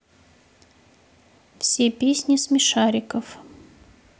все песни смешариков